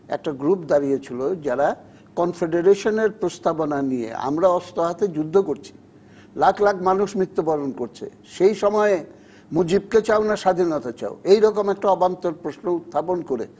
একটা গ্রুপ দাঁড়িয়ে ছিল যারা কনসিডারেশন এর প্রস্তাবনা নিয়ে আমরা অস্ত্র হাতে যুদ্ধ করছি লাখ লাখ মানুষ মৃত্যুবরণ করছে সেই সময়ে মুজিবকে চাও না স্বাধীনতা চাও এরকম একটা অবান্তর প্রশ্ন উত্থাপন করে